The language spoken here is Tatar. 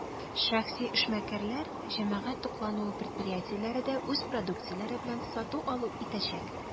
Шәхси эшмәкәрләр, җәмәгать туклануы предприятиеләре дә үз продукцияләре белән сату-алу итәчәк.